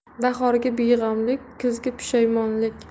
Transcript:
bahorgi beg'amlik kuzgi pushmonlik